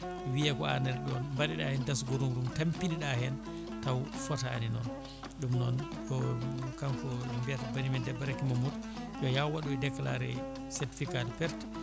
wiiye ko an ariɗon mbaɗeɗa e dasgorung rung tampineɗa hen taw footani noon ɗum noon kanko mbiyeten banimen debbo Raky Mamadou yo yaah o waɗoya déclaré certificat de :far perte